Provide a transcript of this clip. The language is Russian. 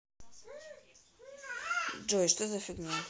джой что за фигня